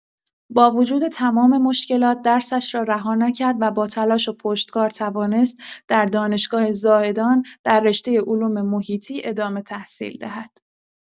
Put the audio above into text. با وجود تمام مشکلات، درسش را رها نکرد و با تلاش و پشتکار توانست در دانشگاه زاهدان در رشته علوم‌محیطی ادامه تحصیل دهد.